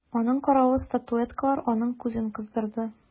Аның каравы статуэткалар аның күзен кыздырды.